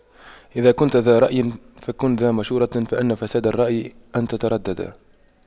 إذا كنتَ ذا رأيٍ فكن ذا مشورة فإن فساد الرأي أن تترددا